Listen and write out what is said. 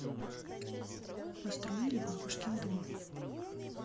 построили бабушкин дом